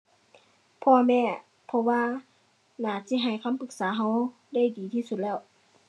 พ่อแม่ เพราะว่า น่าจิให้คำปรึกษาเราได้ดีที่สุดแล้ว